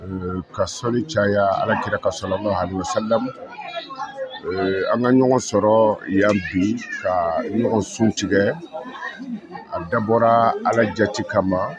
Ee ka sɔli caya Alakira kan saralahum salam ee, an ka ɲɔgɔn sɔrɔ yan bi ka ɲɔgɔn sun tigɛ a da bɔra Ala jati kama